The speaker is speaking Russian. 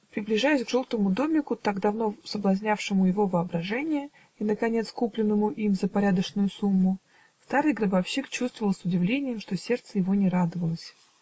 Приближаясь к желтому домику, так давно соблазнявшему его воображение и наконец купленному им за порядочную сумму, старый гробовщик чувствовал с удивлением, что сердце его не радовалось.